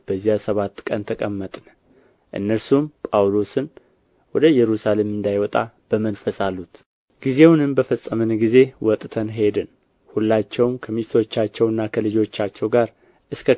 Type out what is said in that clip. በዚያ ሰባት ቀን ተቀመጥን እነርሱም ጳውሎስን ወደ ኢየሩሳሌም እንዳይወጣ በመንፈስ አሉት ጊዜውንም በፈጸምን ጊዜ ወጥተን ሄድን ሁላቸውም ከሚስቶቻቸውና ከልጆቻቸው ጋር እስከ